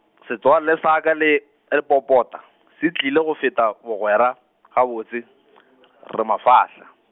setswalle sa ka le, le Popota, se tiile go feta bogwera, gabotse , re mafahla.